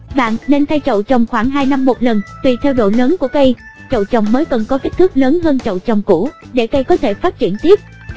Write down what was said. bạn nên thay chậu trồng khoảng năm lần tuỳ theo độ lớn của cây chậu trồng mới cần có kích thước lớn hơn chậu trồng cũ để cây có thể phát triển tiếp